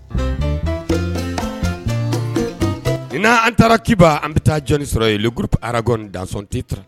N an taara kibaba an bɛ taa jɔnni sɔrɔ yen kurp arak dason tɛtura